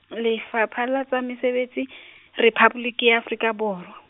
Lefapha la tsa Mesebetsi , Rephaboliki ya Afrika Borwa.